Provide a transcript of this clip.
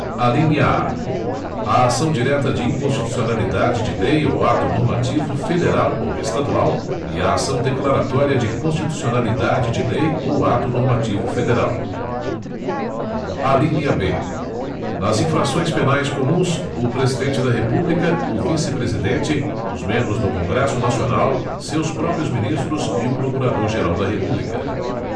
alínea a a ação direta de inconstitucionalidade de lei ou ato normativo federal ou estadual e a ação declaratória de constitucionalidade de lei ou ato normativo federal alínea b nas infrações penais comuns o presidente da república o vice presidente os membros do congresso nacional seus próprios ministros e o procurador geral da república